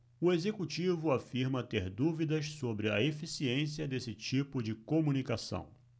o executivo afirma ter dúvidas sobre a eficiência desse tipo de comunicação